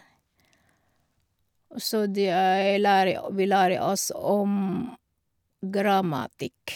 Og så de jeg lære å vi lære oss om grammatikk.